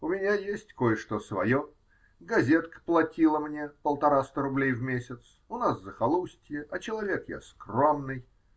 У меня есть кое-что свое, газетка платила мне полтораста рублей в месяц, у нас захолустье, а человек я скромный.